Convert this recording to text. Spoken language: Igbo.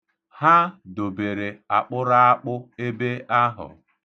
Ha dobere akpụraakpụ ebe ahụ.